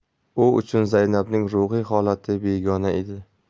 u uchun zaynabning ruhiy holati begona edi